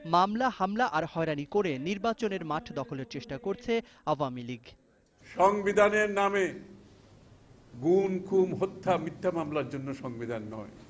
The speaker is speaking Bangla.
মামলা হামলা আর হয়রানি করে নির্বাচনী মাঠ দখলের চেষ্টা করছে আওয়ামী লীগ সংবিধানের নামে গুম খুন হত্যা মিথ্যা মামলার জন্য সংবিধান নয়